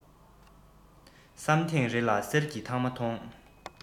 བསམ ཐེངས རེ ལ གསེར གྱི ཐང མ མཐོང